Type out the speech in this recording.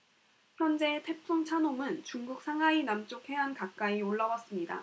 현재 태풍 찬홈은 중국 상하이 남쪽 해안 가까이 올라왔습니다